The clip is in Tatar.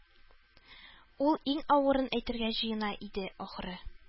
Ул иң авырын әйтергә җыена иде, ахры